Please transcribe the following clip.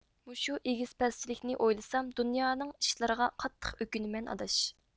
مۇشۇ ئېگىز پەسچىلىكنى ئويلىسام دۇنيانىڭ ئىشلىرىغا قاتتىق ئۆكۈنىمەن ئاداش